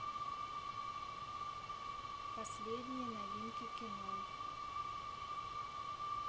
последние новинки кино